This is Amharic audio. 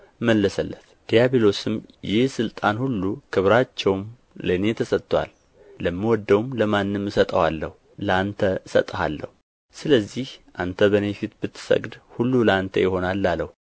መለሰለት ዲያብሎስም ረጅም ወደ ሆነ ተራራ አውጥቶ የዓለምን መንግሥታት ሁሉ በቅጽበት አሳየው ዲያብሎስም ይህ ሥልጣን ሁሉ ክብራቸውም ለእኔ ተሰጥቶአል ለምወደውም ለማንም እሰጠዋለሁና ለአንተ እሰጥሃለሁ ስለዚህ አንተ በእኔ ፊት ብትሰግድ ሁሉ ለአንተ ይሆናል አለው